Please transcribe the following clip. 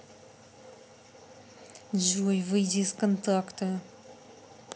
джой выйди из контакта